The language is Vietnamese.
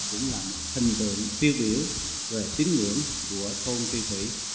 và cũng là một hình tượng tiêu biểu về tín ngưởng của thôn tri thủy